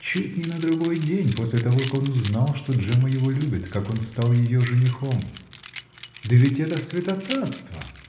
Чуть не на другой день после того, как он узнал, что Джемма его любит, как он стал ее женихом! Да ведь это святотатство!